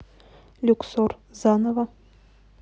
люксор заново